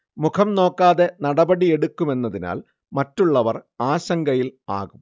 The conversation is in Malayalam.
മുഖം നോക്കാതെ നടപടി എടുക്കുമെന്നതിനാൽ മറ്റുള്ളവർ ആശങ്കയിൽ ആകും